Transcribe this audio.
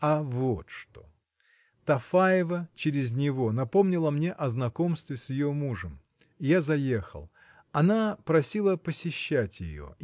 А вот что: Тафаева через него напомнила мне о знакомстве с ее мужем. Я заехал. Она просила посещать ее